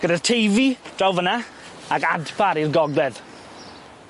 Gyda'r Teifi draw fyn 'na ac Adpar i'r gogledd.